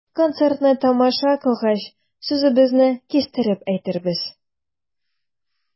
Концертны тамаша кылгач, сүзебезне кистереп әйтербез.